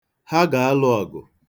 Ha ga-alụ ọgụ.